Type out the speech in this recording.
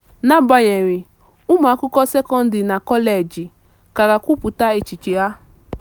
N'agbanyeghị, ụmụakwụkwọ sekọndrị na kọleji kara kwupụta echiche ha.